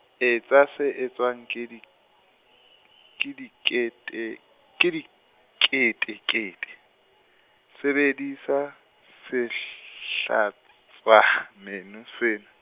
etsa se e tswang ke di , ke dikete-, ke diketekete, sebedisa sehl- hlats- swa, meno sena.